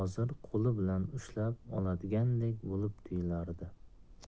ushlab oladigandek bo'lib tuyulardi